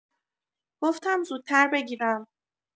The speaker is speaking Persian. گفتم زودتر بگیرم.